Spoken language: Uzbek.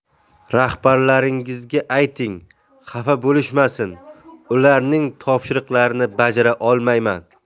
rahbarlaringizga ayting xafa bo'lishmasin ularning topshiriqlarini bajara olmayman